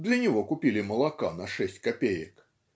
для него купили молока на шесть копеек.